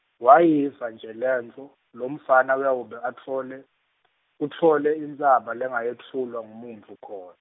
Wayiva nje lentfo, lomfana uyawube atfole , utfole intsaba langeyutfulwa ngumuntfu khon-.